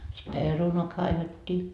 sitten perunaa kaivettiin